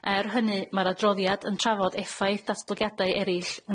Er hynny ma'r adroddiad yn trafod effaith datblygiadau erill